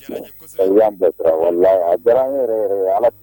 Bɛ la diyara